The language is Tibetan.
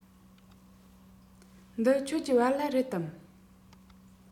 འདི ཁྱོད ཀྱི བལ ལྭ རེད དམ